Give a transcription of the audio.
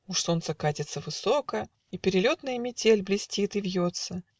Уж солнце катится высоко, И перелетная метель Блестит и вьется